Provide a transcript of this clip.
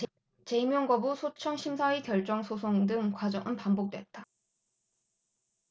재임용 거부 소청 심사위 결정 소송 등 과정은 반복됐다